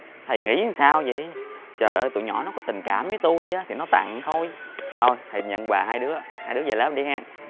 thầy nghĩ sao vậy trời ơi tụi nhỏ nó có tình cảm với tôi á thì nó tặng thôi thầy nhận quà hai đứa hai đứa về lớp đi he